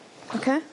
Oce?